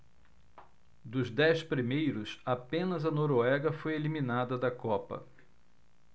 dos dez primeiros apenas a noruega foi eliminada da copa